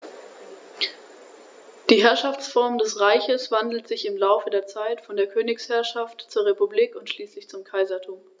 Wie bei allen Arten der Unterfamilie Aquilinae sind die Beine bis zu den sehr kräftigen gelben Zehen befiedert.